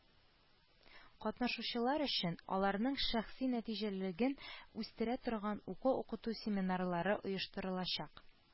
Катнашучылар өчен аларның шәхси нәтиҗәлелеген үстерә торган уку-укыту семинарлары оештырылачак